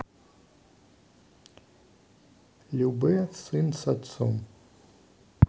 любэ сын с отцом